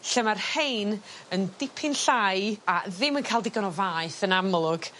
lle ma' rhein yn dipyn llai a ddim yn ca'l digon o faeth yn amlwg.